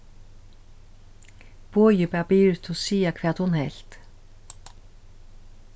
bogi bað biritu siga hvat hon helt